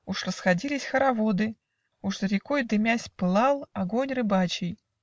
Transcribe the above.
Уж расходились хороводы; Уж за рекой, дымясь, пылал Огонь рыбачий.